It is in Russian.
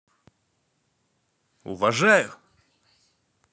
уважаю